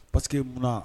Parce que munna